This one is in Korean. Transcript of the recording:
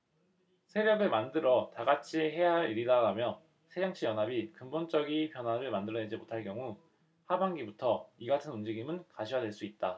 세력을 만들어 다같이 해야할 일이다라며 새정치연합이 근본적이 변화를 만들어내지 못할 경우 하반기부터 이같은 움직임은 가시화될 수 있다